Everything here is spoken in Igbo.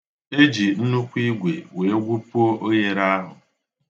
E ji nnukwu igwe wee gwupuo oghere ahụ.